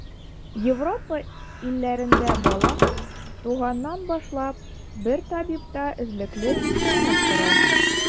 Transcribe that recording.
Европа илләрендә бала, туганнан башлап, бер табибта эзлекле тикшеренеп тора.